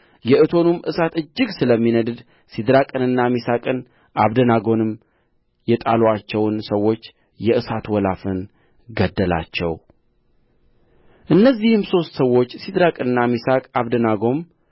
የእቶኑም እሳት እጅግ ስለሚነድድ ሲድራቅንና ሚሳቅን አብደናጎንም የጣሉአቸውን ሰዎች የእሳቱ ወላፈን ገደላቸው እነዚህም ሦስቱ ሰዎች ሲድራቅና ሚሳቅ አብደናጎም